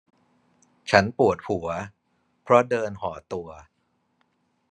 ฉันปวดหัวเพราะเดินห่อตัว